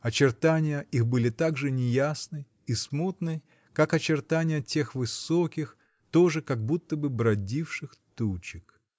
очертания их были так же неясны и смутны, как очертания тех высоких, тоже как будто бы бродивших, тучек.